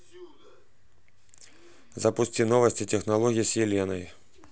запусти новости технологий с еленой